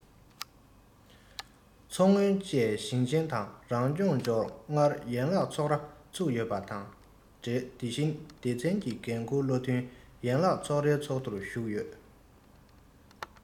མཚོ སྔོན བཅས ཞིང ཆེན དང རང སྐྱོང ལྗོངས ལྔར ཡན ལག ཚོགས ར བཙུགས ཡོད པ དང འབྲེལ དེ བཞིན སྡེ ཚན གྱི འགན ཁུར བློ མཐུན ཡན ལག ཚོགས རའི ཚོགས འདུར ཞུགས ཡོད